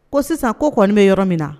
Ko sisan ko kɔni bɛ yɔrɔ min na